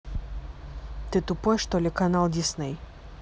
ты тупой что ли канал disney